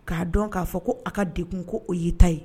K'a dɔn k'a fɔ ko a ka degun ko o y'i ta ye.